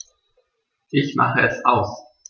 Ich mache es aus.